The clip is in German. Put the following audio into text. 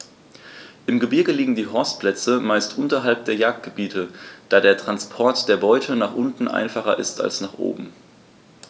Im Gebirge liegen die Horstplätze meist unterhalb der Jagdgebiete, da der Transport der Beute nach unten einfacher ist als nach oben.